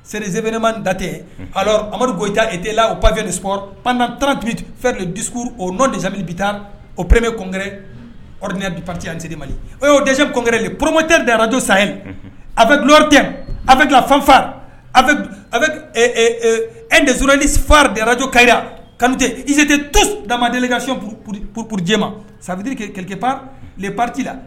Seliereepelema datɛ ha amaduri goja ete la o pp ninp panta fɛn dusuku o n nɔ desa bi taa o premme komkɛrɛnpte an seliema o o dɛsɛc kopɛ porommate de araraj sayi a bɛ glɔ tɛ a bɛ fanfa a a bɛ e dezalisifari de arajo karira kanute izete to da delikasi ppjɛ ma sabitiririkep priti la